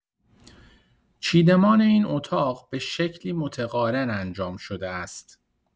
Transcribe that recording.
چیدمان این اتاق به شکلی متقارن انجام شده است.